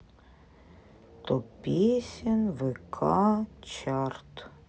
топ песен вк чарт